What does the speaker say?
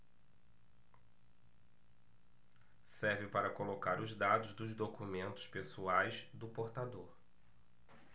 serve para colocar os dados dos documentos pessoais do portador